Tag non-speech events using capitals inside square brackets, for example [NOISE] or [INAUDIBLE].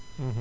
[HESITATION] [HESITATION]